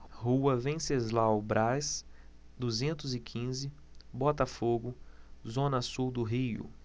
rua venceslau braz duzentos e quinze botafogo zona sul do rio